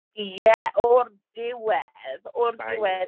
Ie o'r diwedd. O'r diwedd.